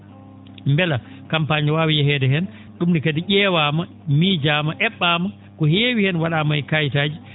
mbela campagne no waawi yeheede heen ?um ne kadi ?eewaama miijaama e??aama ko heewi heen wa?aama e kayitaaji